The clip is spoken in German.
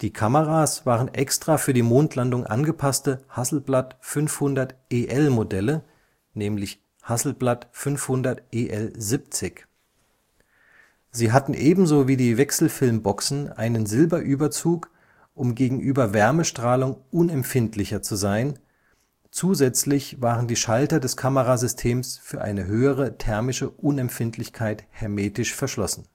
Kameras waren extra für die Mondlandung angepasste Hasselblad-500EL-Modelle (Hasselblad 500 EL/70), sie hatten ebenso wie die Wechselfilmboxen einen Silberüberzug, um gegenüber Wärmestrahlung unempfindlicher zu sein, zusätzlich waren die Schalter des Kamerasystems für eine höhere thermische Unempfindlichkeit hermetisch verschlossen